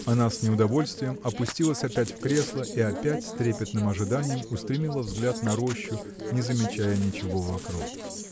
Она с неудовольствием опустилась опять в кресло и опять с трепетным ожиданием устремила взгляд на рощу не замечая ничего вокруг.